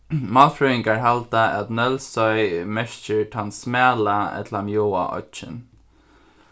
málfrøðingar halda at nólsoy merkir tann smala ella mjáa oyggin